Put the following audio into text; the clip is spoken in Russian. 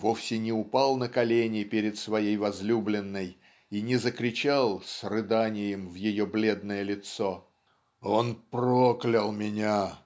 вовсе не упал на колени перед своей возлюбленной и не закричал "с рыданием в ее бледное лицо "Он проклял меня!